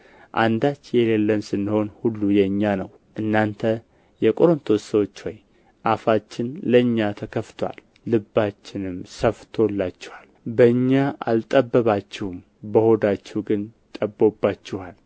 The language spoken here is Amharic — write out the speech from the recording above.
አንዳች የሌለን ስንሆን ሁሉ የእኛ ነው እናንተ የቆሮንቶስ ሰዎች ሆይ አፋችን ለእናንተ ተከፍቶአል ልባችንም ሰፍቶላችኋል በእኛ አልጠበባችሁም በሆዳችሁ ግን ጠቦባችኋል